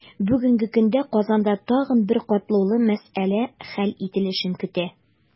Бүгенге көндә Казанда тагын бер катлаулы мәсьәлә хәл ителешен көтә.